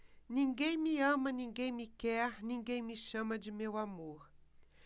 ninguém me ama ninguém me quer ninguém me chama de meu amor